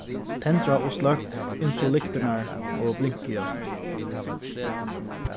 tendra og sløkk ymsu lyktirnar og blinkljósini